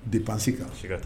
De baasisi kan